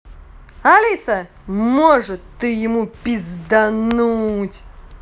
алиса может ты ему пиздануть